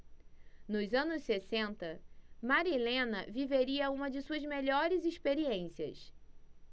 nos anos sessenta marilena viveria uma de suas melhores experiências